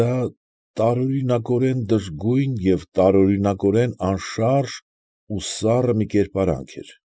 Դա տարօրինակորեն դժգույն և տարօրինակորեն անշարժ ու սառը մի կերպարանք էր։